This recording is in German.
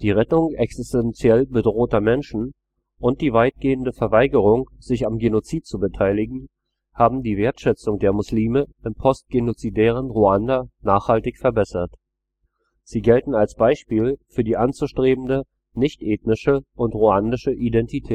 Rettung existenziell bedrohter Menschen und die weitgehende Verweigerung, sich am Genozid zu beteiligen, haben die Wertschätzung der Muslime im postgenozidären Ruanda nachhaltig verbessert. Sie gelten als Beispiel für die anzustrebende nichtethnische, die ruandische Identität